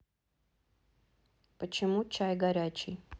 почему чай горячий